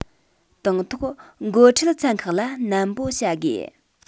དང ཐོག འགོ ཁྲིད ཚན ཁག ལ ནན པོ བྱ དགོས